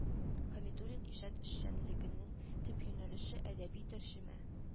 Хәмидуллин иҗат эшчәнлегенең төп юнәлеше әдәби тәрҗемә